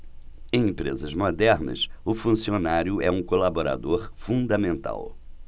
em empresas modernas o funcionário é um colaborador fundamental